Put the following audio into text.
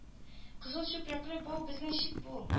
Кызыл чүпрәкле бау безнең чик бу